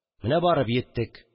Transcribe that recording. Менә барып йиттек